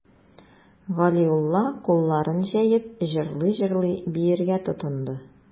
Галиулла, кулларын җәеп, җырлый-җырлый биергә тотынды.